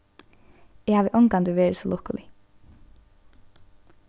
eg havi ongantíð verið so lukkulig